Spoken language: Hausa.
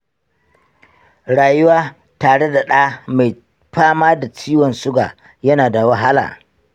rayuwa tare da ɗa mai fama da ciwon suga na da wahala.